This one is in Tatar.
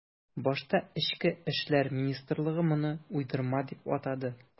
Башта эчке эшләр министрлыгы моны уйдырма дип атады.